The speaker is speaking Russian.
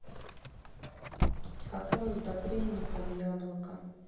какое удобрение под яблоко